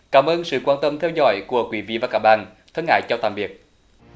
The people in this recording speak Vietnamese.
cảm ơn sự quan tâm theo dõi của quý vị và các bạn thân ái chào tạm biệt